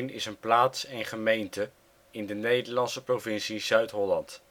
is een plaats en gemeente in de Nederlandse provincie Zuid-Holland